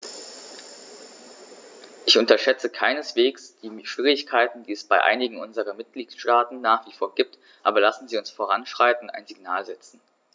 Ich unterschätze keineswegs die Schwierigkeiten, die es bei einigen unserer Mitgliedstaaten nach wie vor gibt, aber lassen Sie uns voranschreiten und ein Signal setzen.